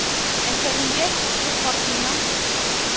Ә Сәлимгә күрше картыннан